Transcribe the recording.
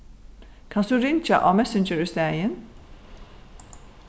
kanst tú ringja á messenger í staðin